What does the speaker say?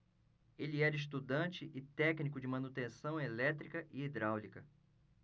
ele era estudante e técnico de manutenção elétrica e hidráulica